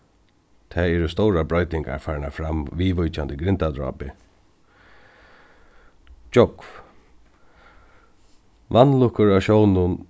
tað eru stórar broytingar farnar fram viðvíkjandi grindadrápi gjógv vanlukkur á sjónum